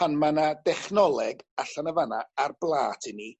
pan ma' 'na dechnoleg allan y' fan 'na ar blat i ni